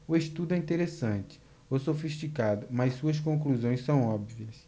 o estudo é interessante e sofisticado mas suas conclusões são óbvias